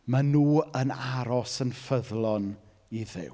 Maen nhw yn aros yn ffyddlon i Dduw.